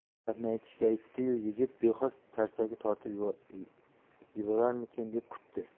bu gapni aytishga aytdi yu yigit bexos tarsaki tortib yuborarmikin deb kutdi